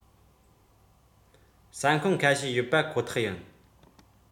ཟ ཁང ཁ ཤས ཡོད པ ཁོ ཐག ཡིན